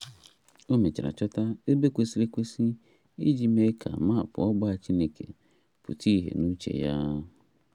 O mechara chọta ebe kwesịrị ekwesị iji mee ka maapụ ọgba Chineke pụta ihe n'uche ya.